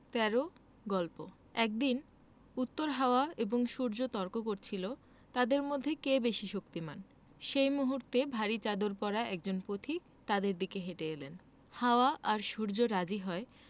১৩ গল্প একদিন উত্তর হাওয়া এবং সূর্য তর্ক করছিল তাদের মধ্যে কে বেশি শক্তিমান সেই মুহূর্তে ভারি চাদর পরা একজন পথিক তাদের দিকে হেটে আসেন হাওয়া আর সূর্য রাজি হয়